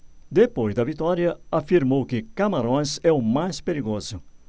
depois da vitória afirmou que camarões é o mais perigoso